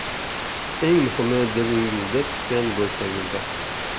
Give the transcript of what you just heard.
eng muhimi dilingizda tutgan bo'lsangiz bas